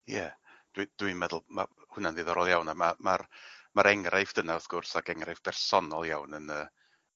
Ie dwi dwi'n meddwl ma' hwnna'n ddiddorol iawn a ma' ma'r ma'r enghraifft yna wrth gwrs ag enghraifft bersonol iawn yn y